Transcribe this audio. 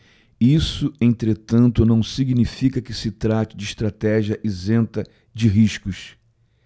isso entretanto não significa que se trate de estratégia isenta de riscos